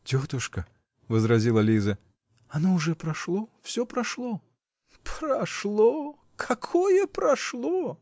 -- Тетушка, -- возразила Лиза, -- оно уже прошло, все прошло. -- Прошло! какое прошло!